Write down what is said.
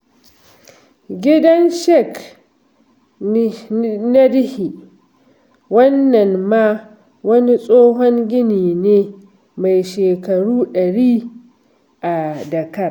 Gidan ShakhaNidhi Wannan ma wani tsohon gini ne mai shekaru ɗari a Dhaka.